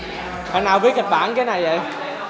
thằng nào viết kịch bản cái này dậy